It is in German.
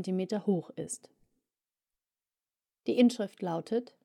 0.74 m hoch ist. Die Inschrift lautet